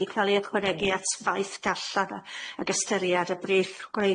wedi ca'l ei ychwanegu at waith darllan a- ag ystyriad y briff gwreiddiol